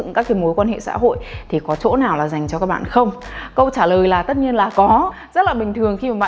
các cái mối quan hệ xã hội thì có chỗ nào là dành cho các bạn không câu trả lời là tất nhiên là có rất là bình thường khi mà bạn